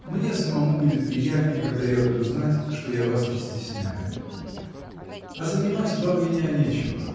Мне самому будет приятнее, когда я буду знать, что я вас не стесняю. А занимать вам меня нечего